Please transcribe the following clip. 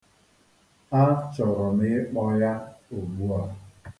A chọrọ m ịkpọ ya ugbua.